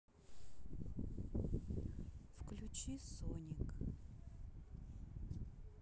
включи соник